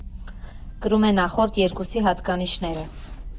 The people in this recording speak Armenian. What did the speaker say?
Կրում է նախորդ երկուսի հատկանիշները։